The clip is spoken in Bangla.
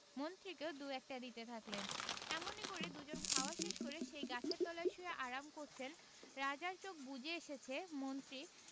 মন্ত্রীকেও দু একটা দিতে থাকলেন এমনি করে দুজনে খাওয়া শেষ করে সেই গাছের তলায় শুয়ে আরাম করছেন রাজার চোখ বুজে এসেছে মন্ত্রীর